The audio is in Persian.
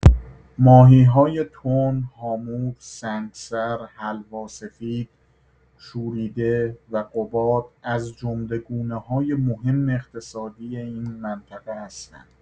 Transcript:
ماهی‌های تن، هامور، سنگسر، حلوا سفید، شوریده و قباد از جمله گونه‌های مهم اقتصادی این منطقه هستند.